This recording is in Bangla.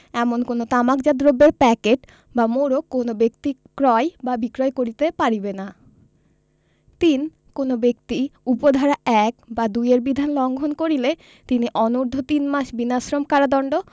এমন কোন তামাকজাত দ্রব্যের প্যাকেট বা মোড়ক কোন ব্যক্তি ক্রয় বা বিক্রয় করিতে পারিবে না ৩ কোন ব্যক্তি উপ ধারা ১ বা ২ এর বিধান লংঘন করিলে তিনি অনূর্ধ্ব তিনমাস বিনাশ্রম কারাদন্ড